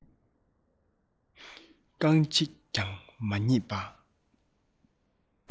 རྐང གཅིག ཀྱང མ རྙེད པ